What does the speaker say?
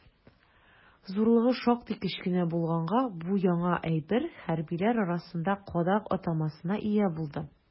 Зурлыгы шактый кечкенә булганга, бу яңа әйбер хәрбиләр арасында «кадак» атамасына ия булды.